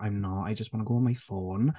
I'm not, I just want to go on my phone.